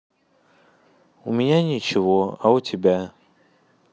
у меня ничего а у тебя